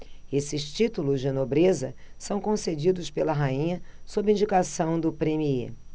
esses títulos de nobreza são concedidos pela rainha sob indicação do premiê